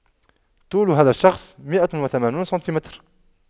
طول هذا الشخص مئة وثمانون سنتيمتر